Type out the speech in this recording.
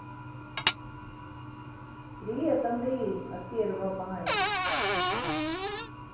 привет андрей от первого мая